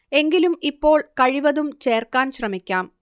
എങ്കിലും ഇപ്പോൾ കഴിവതും ചേർക്കാൻ ശ്രമിക്കാം